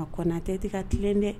A kona tɛ tɛ ka tilen dɛ